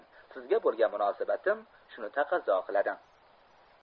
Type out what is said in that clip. sizga bo'lgan munosabatim shuni taqozo qiladi